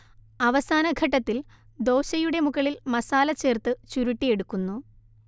അവസാന ഘട്ടത്തിൽ ദോശയുടെ മുകളിൽ മസാല ചേർത്ത് ചുരുട്ടിയെടുക്കുന്നു